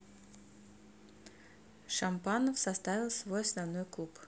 shampanov составил свой основной клуб